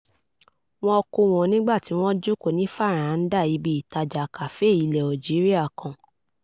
Wọ́n kó wọn nígbà tí wọ́n jókòó ní fàráńdà ibi ìtajà cafe ilẹ̀ Algeria Kan.